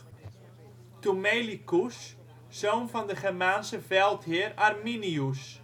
Thumelicus, zoon van de Germaanse veldheer Arminius